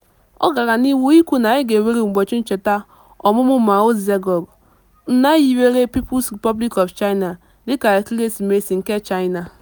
Ọ gara n'ihu ikwu na a ga-ewere ụbọchị ncheta ọmụmụ Mao Zedong, nna hiwere People's Republic of China, dị ka ekeresimesi nke China: